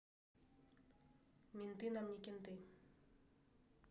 менты нам не кенты